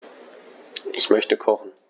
Ich möchte kochen.